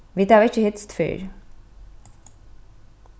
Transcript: vit hava ikki hitst fyrr